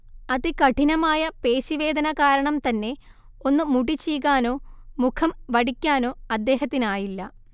അതികഠിനമായ പേശി വേദന കാരണം തന്നെ ഒന്ന് മുടി ചീകാനോ മുഖം വടിക്കാനൊ അദ്ദേഹത്തിനായില്ല